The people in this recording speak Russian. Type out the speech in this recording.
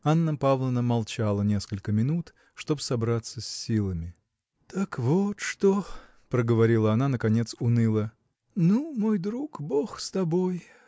Анна Павловна молчала несколько минут, чтоб собраться с силами. – Так вот что! – проговорила она, наконец, уныло. – Ну, мой друг, бог с тобой!